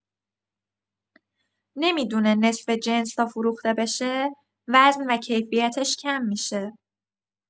نمی‌دونه نصف جنس تا فروخته بشه، وزن و کیفیتش کم می‌شه.